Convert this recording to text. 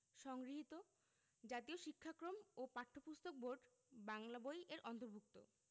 সংগৃহীত জাতীয় শিক্ষাক্রম ও পাঠ্যপুস্তক বোর্ড বাংলা বই এর অন্তর্ভুক্ত